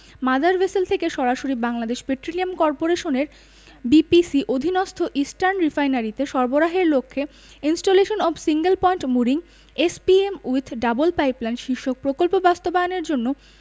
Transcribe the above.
mother vessel থেকে সরাসরি Bangladesh petroleum করপোরেশনের বিপিসি অধীনস্থ ইস্টার্ন রিফাইনারিতে সরবরাহের লক্ষ্যে installation of single point mooring SPM with double pipeline শীর্ষক প্রকল্প বাস্তবায়নের জন্য